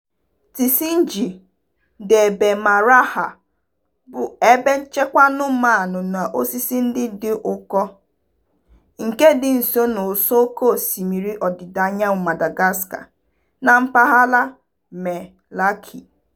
Tsingy de Bemaraha bụ ebe nchekwa anụmanụ na osisi ndị dị ụkọ nke dị nso n'ụsọ oké osimiri ọdịda anyanwụ Madagascar na mpaghara Melaky.